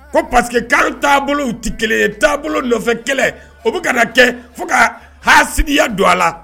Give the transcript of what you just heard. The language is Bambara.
Ko parce que kari taabolo tɛ kelen taabolo nɔfɛ kɛlɛ o bɛ ka kɛ fo ka hsigiya don a la